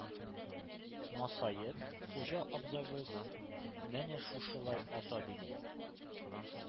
Масаеп: «хуҗа абзагыз менә шушылай ата»,— дигән.